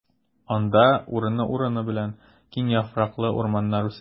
Анда урыны-урыны белән киң яфраклы урманнар үсә.